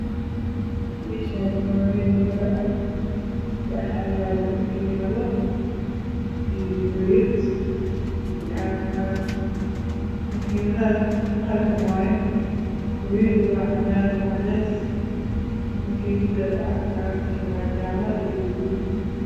Meeshaan waa meel wado ah waxaa yaalo makiinado iyo booyad iyo cagaf cagaf. Makiinadaha waa qalin. Booyadu waa cadaan iyo cadeys. Cagaf cagaf tuna waa cadeys iyo madow.